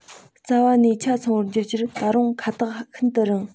རྩ བ ནས ཆ ཚང བར འགྱུར རྒྱུར ད རུང ཁ ཐག ཤིན ཏུ རིང